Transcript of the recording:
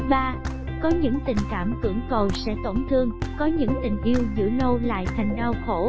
có những tình cảm cưỡng cầu sẽ tổn thương có những tình yêu giữ lâu lại thành đau khổ